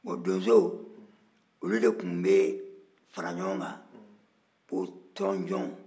bon donsow olu de tun bɛ fara ɲɔgɔn ka ko tɔnjɔnw